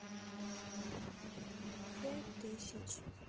пять тысяч